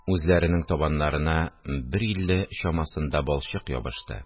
Үзләренең табаннарына берилле чамасында балчык ябышты